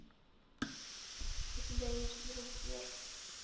у тебя есть друг сбер